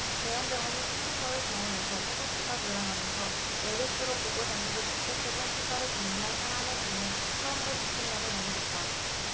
대형 병원인 삼성서울병원에서 환자수가 늘어나면서 메르스로 보건당국이 자택 혹은 시설에 격리한 사람의 수는 처음으로 두 천명을 넘어섰다